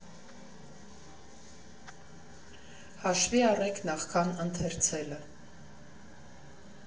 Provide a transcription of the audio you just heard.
Հաշվի առեք նախքան ընթերցելը։